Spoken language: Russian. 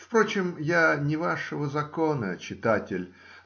Впрочем, я не вашего закона, читатель.